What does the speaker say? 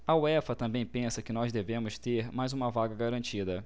a uefa também pensa que nós devemos ter mais uma vaga garantida